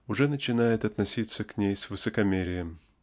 уже начинает относиться к ней с высокомерием.